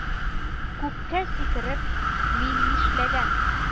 Күккә сикереп, мин нишләгән